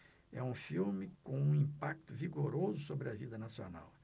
é um filme com um impacto vigoroso sobre a vida nacional